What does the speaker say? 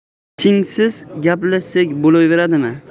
pichingsiz gaplashsak bo'laveradi